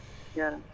jaarama